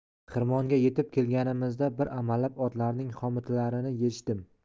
xirmonga yetib kelganimizda bir amallab otlarning xomutlarini yechdim